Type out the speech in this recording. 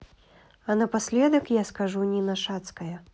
а напоследок я скажу нина шацкая